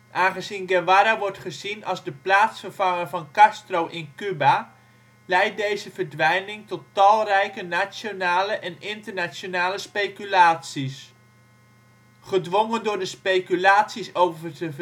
Aangezien Guevara wordt gezien als de plaatsvervanger van Castro in Cuba leidt deze verdwijning tot talrijke nationale en internationale speculaties. Gedwongen door de speculaties over